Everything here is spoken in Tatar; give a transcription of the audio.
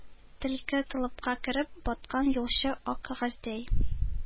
Төлке толыпка кереп баткан юлчы ак кәгазьдәй